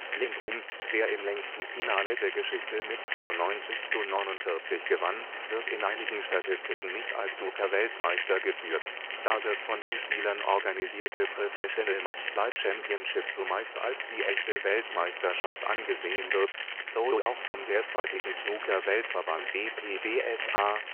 Lindrum, der im längsten Finale der Geschichte mit 94:49 gewann, wird in einigen Statistiken nicht als Snookerweltmeister geführt, da das von den Spielern organisierte Professional Matchplay Championship zumeist als die „ echte “Weltmeisterschaft angesehen wird (so auch vom derzeitigen Snooker-Weltverband WPBSA